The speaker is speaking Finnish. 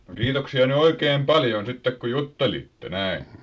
no kiitoksia nyt oikein paljon sitten kun juttelitte näin